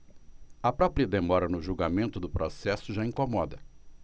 a própria demora no julgamento do processo já incomoda